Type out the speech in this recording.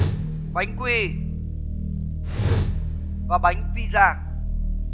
bánh quy và bánh pi ra